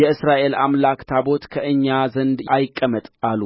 የእስራኤል አምላክ ታቦት ከእኛ ዘንድ አይቀመጥ አሉ